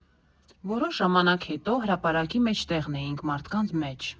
Որոշ ժամանակ հետո հրապարակի մեջտեղն էինք, մարդկանց մեջ։